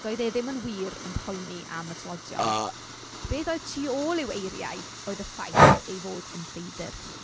Doedd e ddim yn wir yn poeni am y tlodion, beth oedd tu ôl i'w eiriau oedd y ffaith ei fod yn lleidr.